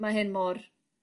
ma' hyn mor